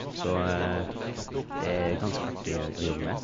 Så det er ganske artig å å jobbe med.